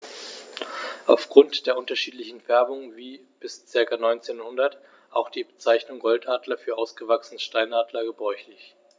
Auf Grund der unterschiedlichen Färbung war bis ca. 1900 auch die Bezeichnung Goldadler für ausgewachsene Steinadler gebräuchlich.